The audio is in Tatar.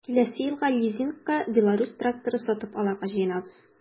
Киләсе елга лизингка “Беларусь” тракторы сатып алырга җыенабыз.